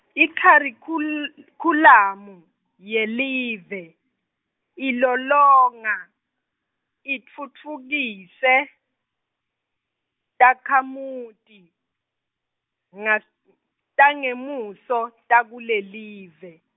ikharikhul- -khulamu, yelive, ilolonga, itfutfukise, takhamuti, ngas-, tangemuso, takulelive.